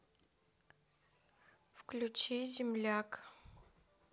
включи земляк